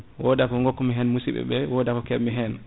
woda ko gokkumi hen musidɓeɓe woda ko kemmi hen